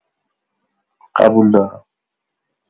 قبول دارم.